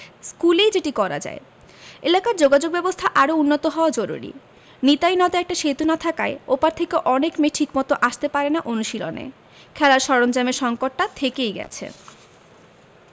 স্কুলেই যেটি করা যায় এলাকার যোগাযোগব্যবস্থা আরও উন্নত হওয়া জরুরি নিতাই নদে একটা সেতু না থাকায় ও পার থেকে অনেক মেয়ে ঠিকমতো আসতে পারে না অনুশীলনে খেলার সরঞ্জামের সংকটটা থেকেই গেছে